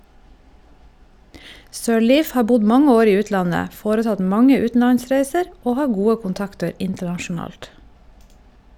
Sirleaf har bodd mange år i utlandet, foretatt mange utenlandsreiser og har gode kontakter internasjonalt.